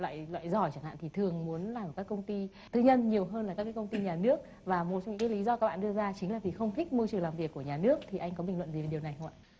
loại loại giỏi chẳng hạn thì thường muốn làm các công ty tư nhân nhiều hơn là các công ty nhà nước và một lý do các bạn đưa ra chính là vì không thích môi trường làm việc của nhà nước thì anh có bình luận gì về điều này không ạ